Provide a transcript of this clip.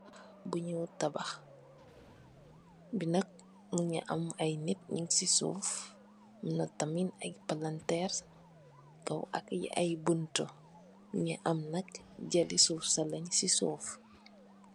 Bu nyo tabah, bi nak mungi am ay nit nung ci suuf. Amna tamit ay palanteer ci kaw ak ay buntu. Mungi am nak jalli suuf salèn ci suuf.